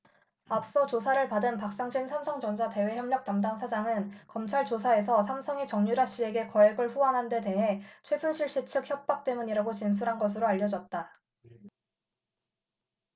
앞서 조사를 받은 박상진 삼성전자 대외협력담당 사장은 검찰조사에서 삼성이 정유라씨에게 거액을 후원한 데 대해 최순실씨 측 협박 때문이라고 진술한 것으로 알려졌다